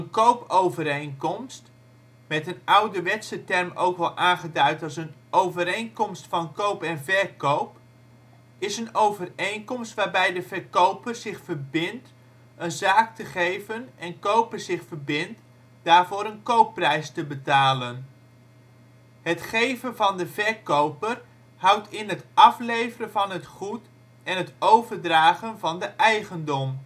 koopovereenkomst, met een ouderwetse term ook wel aangeduid als een overeenkomst van koop en verkoop, is een overeenkomst, waarbij de verkoper zich verbindt een zaak te geven en koper zich verbindt daarvoor een koopprijs te betalen. Het ' geven ' van de verkoper houdt in het afleveren van het goed en het overdragen van de eigendom